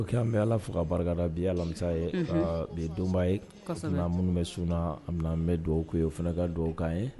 Ok bɛ allah _ fo ka barikada bi ye alamisa ye , bi ye donba ye minnu bɛ sun na an bɛ dugawu k'u ye u fana ka dugawu k'an ye.